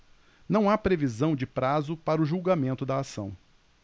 não há previsão de prazo para o julgamento da ação